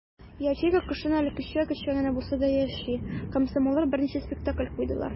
Ячейка кышын әле көчкә-көчкә генә булса да яши - комсомоллар берничә спектакль куйдылар.